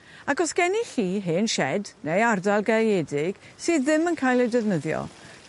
Ac os gennych chi hen sied neu ardal gaeedig sydd ddim yn cael ei defnyddio